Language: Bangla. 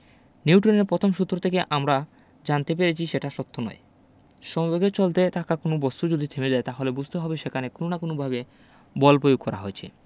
নিউটনের পথম সূত্র থেকে আমরা জানতে পেরেছি সেটা সত্যি নয় সমবেগে চলতে থাকা কোনো বস্তু যদি থেমে যায় তাহলে বুঝতে হবে সেখানে কোনো না কোনোভাবে বল পয়োগ করা হয়েছে